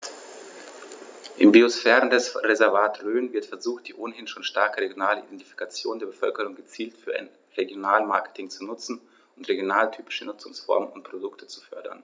Im Biosphärenreservat Rhön wird versucht, die ohnehin schon starke regionale Identifikation der Bevölkerung gezielt für ein Regionalmarketing zu nutzen und regionaltypische Nutzungsformen und Produkte zu fördern.